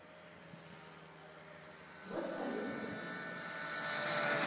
вот салют пока